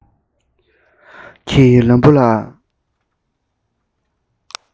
ལམ བུ ལ